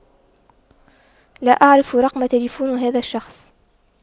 لا اعرف رقم تلفون هذا الشخص